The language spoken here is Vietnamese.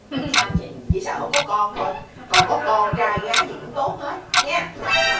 không sao chị chỉ sợ không có con thôi còn có con trai gái gì cũng tốt hết nha